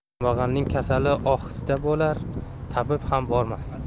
kambag'alning kasali ohsda bo'lsa tabib ham bormas